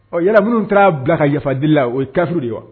Ɔ yalaburu taara bila ka yafadi la o ye tauru de wa